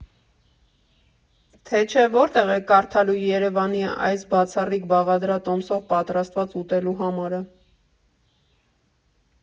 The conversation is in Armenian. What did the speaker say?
Թե չէ՝ որտե՞ղ եք կարդալու ԵՐԵՎԱՆի այս՝ բացառիկ բաղադրատոմսով պատրաստված ուտելու համարը։